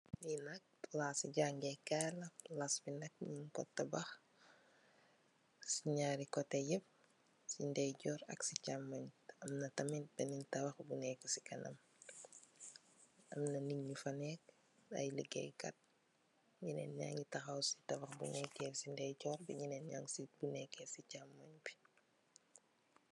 Fii nak palaasi jangee kaay la, palaas bi nak ñungko tabax, si nyaari kote yeup, si nday joor, ak si chaamoñ, ta amna tamin baneen tabax bu neka si kanam, amna niñu fa nek, aye ligey kat, ñaneen ñaangi taxaw si tabax bu nekee si nday joor, ñaneen ñaang si bu nek si chamooñ bi.